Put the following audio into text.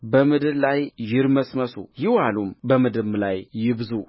በምድር ላይ ይርመስመሱ ይዋለዱ በምድርም ላይ ይብዙ